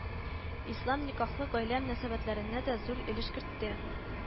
Ислам никахлы гаилә мөнәсәбәтләренә дә зур өлеш кертте